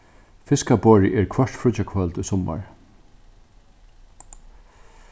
fiskaborðið er hvørt fríggjakvøld í summar